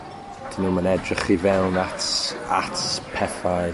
'dyn nw'm yn edrych i fewn at at pethau